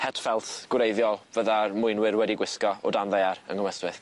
Het ffelt gwreiddiol fydda'r mwynwyr wedi gwisgo o dan ddaear yng Nghwm Ystwyth.